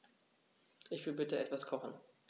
Ich will bitte etwas kochen.